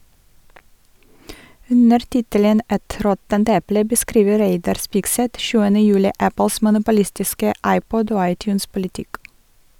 Under tittelen «Et råttent eple» beskriver Reidar Spigseth 7. juli Apples monopolistiske iPod- og iTunes-politikk.